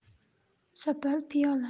sopol piyola